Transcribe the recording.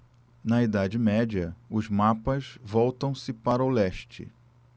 na idade média os mapas voltam-se para o leste